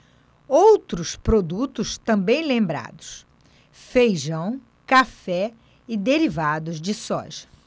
outros produtos também lembrados feijão café e derivados de soja